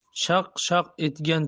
shaq shaq etgan